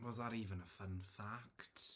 Was that even a fun fact?